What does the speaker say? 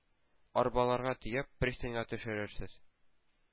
Арбаларга төяп пристаньга төшерерсез.